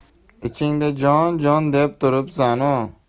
ichingda jon jon deb turibsanu